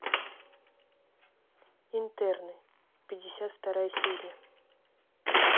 интерны пятьдесят вторая серия